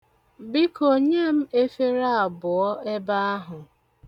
Biko nye m efere abụọ ebe ahụ.